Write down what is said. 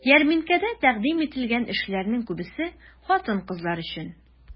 Ярминкәдә тәкъдим ителгән эшләрнең күбесе хатын-кызлар өчен.